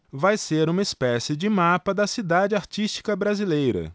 vai ser uma espécie de mapa da cidade artística brasileira